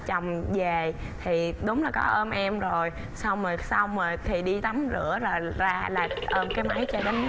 chồng về thì đúng là có ôm em rồi xong rồi xong rồi thì đi tắm rửa rồi ra là ôm cái máy cho đến